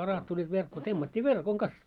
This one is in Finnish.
kalat tulivat verkkoon temmattiin verkon kanssa